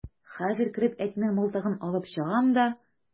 Хәзер кереп әтинең мылтыгын алып чыгам да...